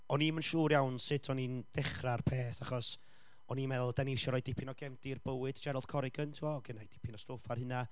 O'n i'm yn siŵr iawn sut o'n i'n dechrau'r peth, achos o'n i'n meddwl, da ni eisiau rhoi dipyn o gefndir bywyd, Gerald Corrigan, tibod, gynna i dipyn o stwff ar hynna,